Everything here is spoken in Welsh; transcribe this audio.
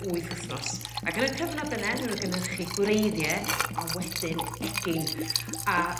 wyth wthnos ac yn y cyfnod yne newn n'w gynyrchu gwreiddie a wedyn egin a